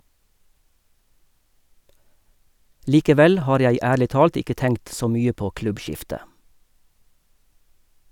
Likevel har jeg ærlig talt ikke tenkt så mye på klubbskifte.